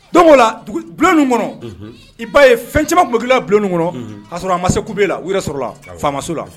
Donc o la bulon ninnu kɔnɔ, i b'a ye fɛn caaman bɛ gila bulon kɔnɔ ka sɔrɔ a ma se kube la, u yɛrɛ sɔrɔ la, faamaso la